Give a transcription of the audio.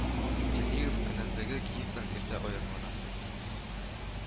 Чернигов кенәзлеге Киевтан иртә аерымлана